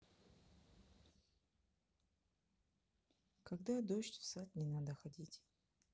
когда дождь в сад не надо ходить